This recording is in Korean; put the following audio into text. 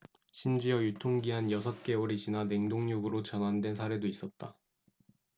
심지어 유통기한 여섯 개월이 지나 냉동육으로 전환된 사례도 있었다